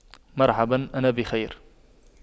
مرحبا انا بخير